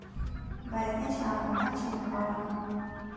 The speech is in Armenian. Բայց դե չհավատալ չենք կարող։